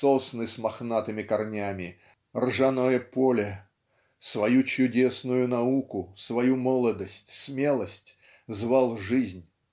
сосны с мохнатыми корнями ржаное поле свою чудесную науку свою молодость смелость звал жизнь